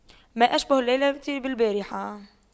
ما أشبه الليلة بالبارحة